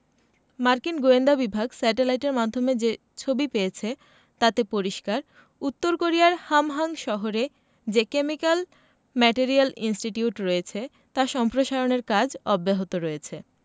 মার্কিন গোয়েন্দা বিভাগ স্যাটেলাইটের মাধ্যমে যে ছবি পেয়েছে তাতে পরিষ্কার উত্তর কোরিয়ার হামহাং শহরে যে কেমিক্যাল ম্যাটেরিয়াল ইনস্টিটিউট রয়েছে তার সম্প্রসারণের কাজ অব্যাহত রয়েছে